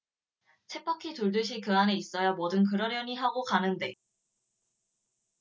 쳇바퀴 돌 듯이 그 안에 있어야 뭐든 그러려니 하고 가는데